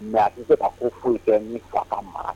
Mɛ i bɛ ka ko foyi tɛ ni fa ka mara